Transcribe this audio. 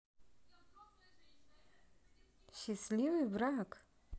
счастливый брак